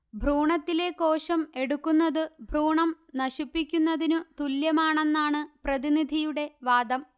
ഭ്രൂണത്തിലെ കോശം എടുക്കുന്നതു ഭ്രൂണം നശിപ്പിക്കുന്നതിനു തുല്യമാണെന്നാണ് പ്രതിനിധിയുടെ വാദം